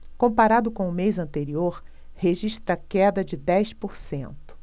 comparado com o mês anterior registra queda de dez por cento